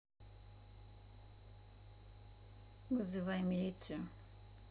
вызывай милицию